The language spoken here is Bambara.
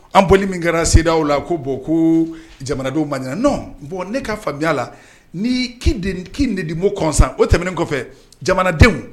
An boli min kɛra sew la ko bɔn ko jamanadenw manan nɔ bɔn ne ka faamuya la niden kin de dibo kɔsɔn o tɛmɛnen kɔfɛ jamanadenw